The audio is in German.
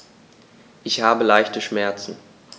Ich habe leichte Schmerzen.